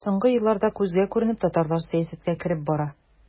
Соңгы елларда күзгә күренеп татарлар сәясәткә кереп бара.